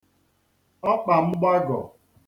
ọkpàmgbagò